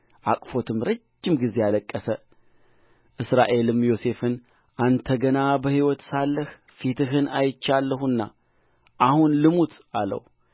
ሁሉም አሥራ አራት ነፍስ ናቸው የዳንም ልጆች ሑሺም የንፍታሌምም ልጆች ያሕጽኤል ጉኒ ዬጽር